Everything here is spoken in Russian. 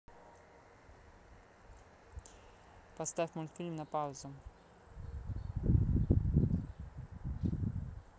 поставь мультфильм на паузу